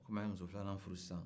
kɔmi a ye muso filanan furu sisan